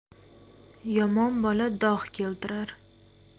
yomon bola dog' keltirar